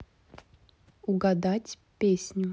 угадать песню